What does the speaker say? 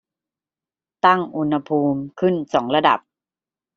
ตั้งอุณหภูมิขึ้นสองระดับ